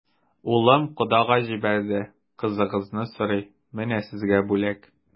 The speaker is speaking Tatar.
Улым кодага җибәрде, кызыгызны сорый, менә сезгә бүләк.